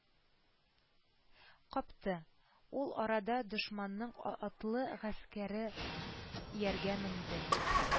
Капты, ул арада дошманның атлы гаскәре ияргә менде